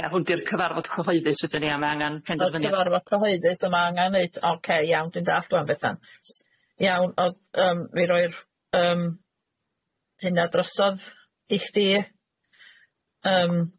Ia hwn di'r cyfarfod cyhoeddus wedyn ia ma' angan penderfyniad.... Cyfarfod cyhoeddus a ma' angan neud oce iawn dwi'n dallt wan Bethan iawn odd yym fi roi'r yym hynna drosodd i chdi yym.